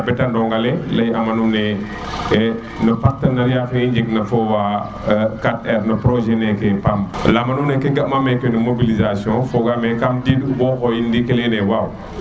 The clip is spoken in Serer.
na mbeta ndoga le ley ama nuune e no parteneriat fe i njeg na fo wa 4Rno projet neke PAM leyama nune ke ga'ma mene no mobilisation kam did bo xoyit ndiki ley ne waaw